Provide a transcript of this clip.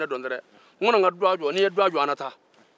n kɔnɔ n ka dɔgɔ jɔ ni n dɔgɔ jɔ an na taa